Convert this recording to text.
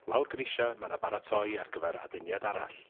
lawr grisia ma' 'na baratoi ar gyfer aduniad arall.